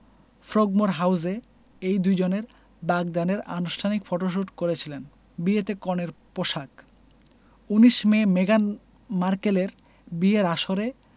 Frogmore হাউসে এই দুজনের বাগদানের আনুষ্ঠানিক ফটোশুট করেছিলেন বিয়েতে কনের পোশাক ১৯ মে মেগান মার্কেলের বিয়ের আসরে